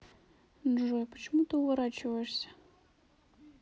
джой а почему ты уворачиваешься